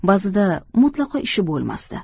ba'zida mutlaqo ishi bo'lmasdi